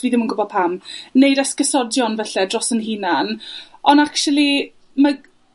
fi ddim yn gwbo pam. Neud esgusodion falle dros yn hunan. Ond actually, ma'